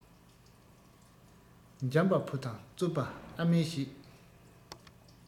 འཇམ པ བུ དང རྩུབ པ ཨ མས བྱེད